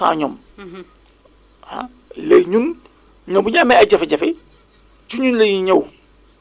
mooy donc du 9 juillet au 18 juillet mu nekk partiquement 10jours yi nga xamante ne bi tawul